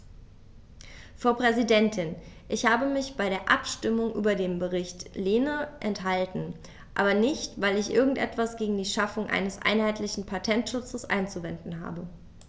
Frau Präsidentin, ich habe mich bei der Abstimmung über den Bericht Lehne enthalten, aber nicht, weil ich irgend etwas gegen die Schaffung eines einheitlichen Patentschutzes einzuwenden habe.